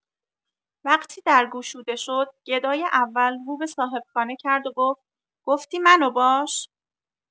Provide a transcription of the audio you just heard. وقتی در گشوده شد، گدای اول رو به صاحبخانه کرد و گفت: گفتی منو باش؟!